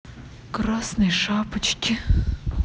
красной шапочке